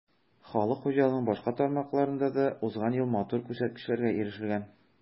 Халык хуҗалыгының башка тармакларында да узган елда матур күрсәткечләргә ирешелгән.